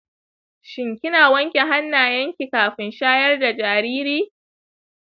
shin kina wanke hannayen ki kafin shayar da jariri?